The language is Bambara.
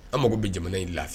An mako bɛ jamana in lafi